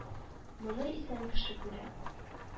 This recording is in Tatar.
Моны исән кеше күрә